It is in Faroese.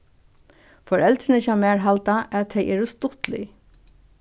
foreldrini hjá mær halda at tey eru stuttlig